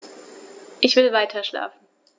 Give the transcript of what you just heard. Ich will weiterschlafen.